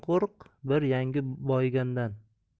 qo'rq bir yangi boyigandan